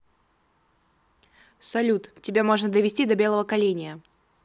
салют тебя можно довести до белого каления